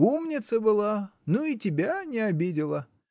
Умница была; ну и тебя не обидела.